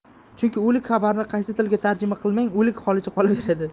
chunki o'lik xabarni qaysi tilga tarjima qilmang o'lik holicha qolaveradi